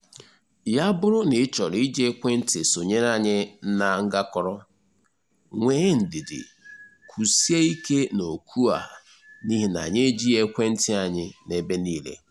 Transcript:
“Ya bụrụ na ị chọrọ iji ekwentị sonyere anyị na Ngakoro, nwee ndidi, kwụsie ike n'oku a n'ihi na anyị ejighị ekwentị anyị n'ebe niile.